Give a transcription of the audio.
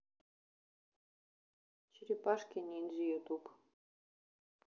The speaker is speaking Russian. черепашки ниндзя ютуб